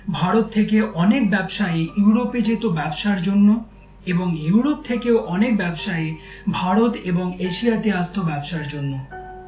ভারত থেকে অনেক ব্যবসায়ী ইউরোপে যেতে ব্যবসার জন্য এবং ইউরোপ থেকেও অনেক ব্যবসায়ী ভারত এবং এশিয়াতে আসত ব্যবসার জন্য